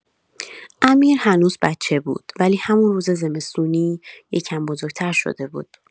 امیر هنوز بچه بود، ولی همون روز زمستونی، یه‌کم بزرگ‌تر شده بود.